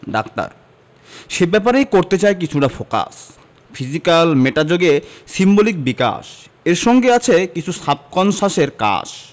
doctor সে ব্যাপারেই করতে চাই কিছুটা ফোকাস ফিজিক্যাল মেটা যোগে সিম্বলিক বিকাশ এর সঙ্গে আছে কিছু সাবকন্সাসের কাশ